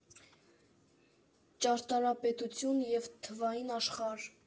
Ճարտարապետություն և թվային աշխարհ։